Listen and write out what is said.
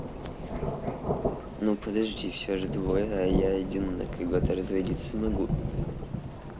ну подожди вас же двое а я один на кого то разводиться могу